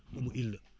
omo ilna